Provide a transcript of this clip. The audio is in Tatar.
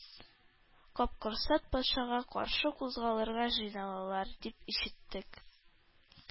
Капкорсак патшага каршы кузгалырга җыйналалар дип ишеттек,